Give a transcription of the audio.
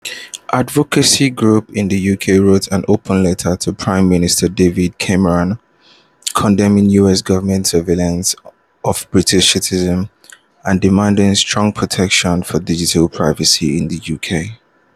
Advocacy groups in the UK wrote an open letter to Prime Minister David Cameron, condemning US government surveillance of British citizens and demanding strong protections for digital privacy in the UK.